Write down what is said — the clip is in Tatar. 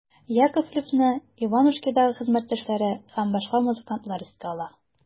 Яковлевны «Иванушки»дагы хезмәттәшләре һәм башка музыкантлар искә ала.